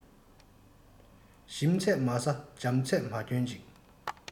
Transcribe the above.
ཞིམ ཚད མ ཟ འཇམ ཚད མ གྱོན ཅིག